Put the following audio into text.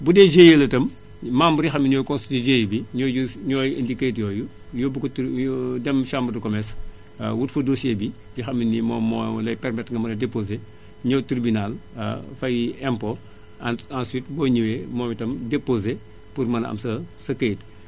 bu dee GIE la itam membre yi xam ne ni ñoo constitué GIE bi ñooy jël si ñooy indi kayit yooyu yóbbu ko tri yo dem chambre de commerce wut fa dossier bi li xam ne nii moom moo lay permettre nga mën a déposé ñëw tribunal fay impot entre ensuite boo ñëwee moom itam déposé pour mën a am sa kayit